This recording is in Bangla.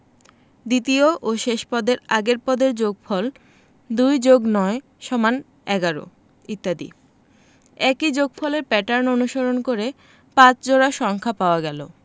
দ্বিতীয় ও শেষ পদের আগের পদের যোগফল ২+৯=১১ ইত্যাদি একই যোগফলের প্যাটার্ন অনুসরণ করে ৫ জোড়া সংখ্যা পাওয়া গেল